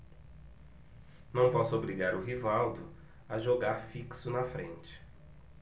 não posso obrigar o rivaldo a jogar fixo na frente